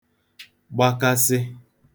gbakasị